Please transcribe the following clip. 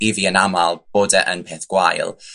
i fi yn amal bod e yn peth gwael.